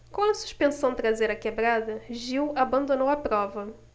com a suspensão traseira quebrada gil abandonou a prova